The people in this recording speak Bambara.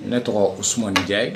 Ne tɔgɔ o sin diya ye